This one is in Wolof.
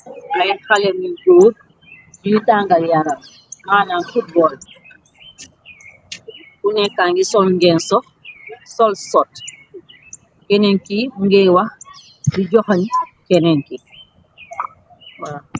Ay xale yu goor yuy tangal yaral maanan footbol ku nekka ngi sol-ngenso sol-sot kenenki mungee wax di joxañ kenenki waw.